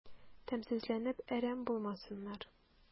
Тәмсезләнеп әрәм булмасыннар...